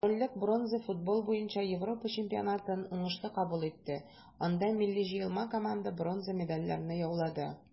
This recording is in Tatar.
Корольлек бронза футбол буенча Европа чемпионатын уңышлы кабул итте, анда милли җыелма команда бронза медальләрне яулады.